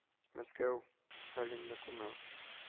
Мәскәү, Сталинны күмү